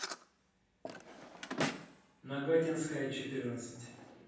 нагатинская четырнадцать